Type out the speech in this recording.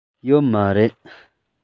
ཡོད མ རེད